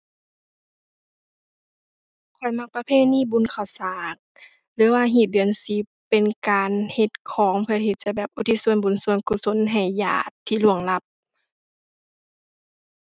ข้อยมักประเพณีบุญข้าวสาก หรือว่าฮีตเดือนสิบ เป็นการเฮ็ดของเพื่อที่จะแบบอุทิศส่วนบุญส่วนกุศลให้ญาติที่ล่วงลับ